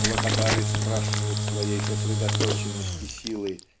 клокотали страшные в своей сосредоточенности силы